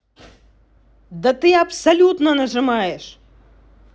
да ты абсолютно нажимаешь